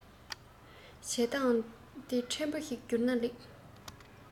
བྱེད བཏང འདི ཕྲན བུ ཞིག རྒྱུར ན ལེགས